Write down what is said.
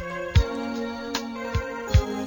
San